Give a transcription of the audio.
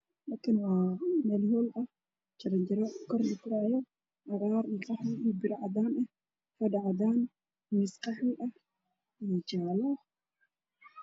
Meel hool ah jaran jaro kor la koraayo miis qaxwi ah